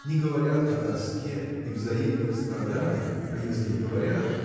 не говорят о тоске и взаимных страданиях а если и говорят